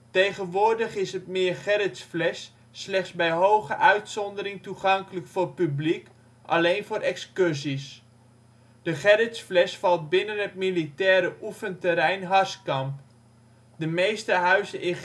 Tegenwoordig is het meer Gerritsflesch slechts bij hoge uitzondering toegankelijk voor publiek, alleen voor excursies. De Gerritsflesch valt binnen het militaire oefenterrein Harskamp. De meeste huizen in